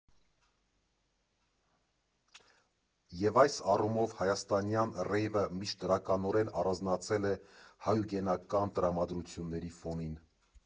Եվ այս առումով, հայաստանյան ռեյվը միշտ դրականորեն առանձնացել է հայուգենական տրամանդրությունների ֆոնին։